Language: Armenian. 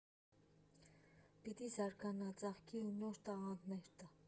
Պիտի զարգանա, ծաղկի ու նոր տաղանդներ տա»։